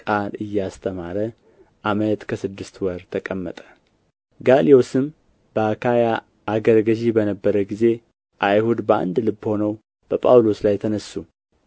ቃል እያስተማረ ዓመት ከስድስት ወር ተቀመጠ ጋልዮስም በአካይያ አገረ ገዥ በነበረ ጊዜ አይሁድ በአንድ ልብ ሆነው በጳውሎስ ላይ ተነሡ